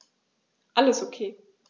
Alles OK.